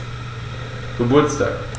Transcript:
Geburtstag